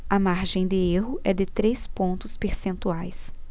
a margem de erro é de três pontos percentuais